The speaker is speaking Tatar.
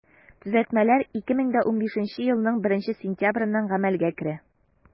Төзәтмәләр 2015 елның 1 сентябреннән гамәлгә керә.